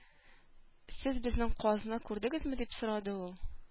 "сез безнең казны күрдегезме" дип сорады ул